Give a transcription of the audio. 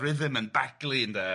...y rhythm yn baglu ynde... Ia